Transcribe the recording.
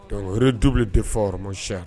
Dɔnku o ye dubili de fɔ yɔrɔc